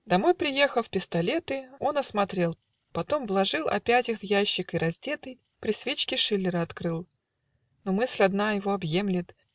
Домой приехав, пистолеты Он осмотрел, потом вложил Опять их в ящик и, раздетый, При свечке, Шиллера открыл Но мысль одна его объемлет